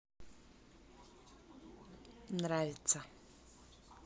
нравится